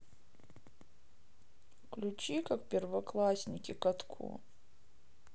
включи как первоклассники катку